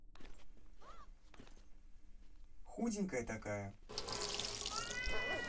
худенькая такая